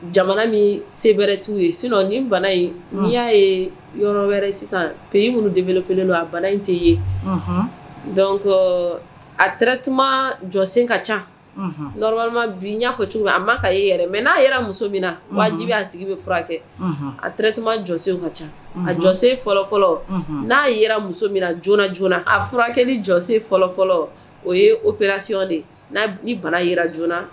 Jamana min se wɛrɛ' ye sin ni bana in n'i y'a ye yɔrɔ wɛrɛ sisan pyi minnu deele kelen don a bana in tɛ ye dɔn ko atuma jɔsen ka ca'a fɔ cogo min a ma ka e yɛrɛ mɛ n'a yɛrɛ muso min na wajibi a tigi bɛ furakɛ kɛ a tun jɔsen ka ca a jɔse fɔlɔfɔlɔ n'a yɛrɛ muso j joona a furakɛ jɔse fɔlɔfɔlɔ o ye o prasiɔn de yea ni bana yi joonana